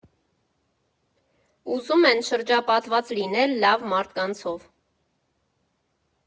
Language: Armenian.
Ուզում են շրջապատված լինել լավ մարդկանցով։